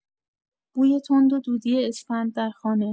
بوی تند و دودی اسپند در خانه